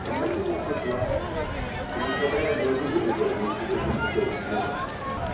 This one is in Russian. Он накинул свой плащ и, несмотря на грозу, выбежал вместе с этим высоким юношей.